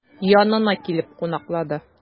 Янына килеп кунаклады.